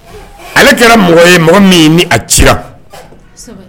Ale kɛra mɔgɔ ye mɔgɔ min ni a ci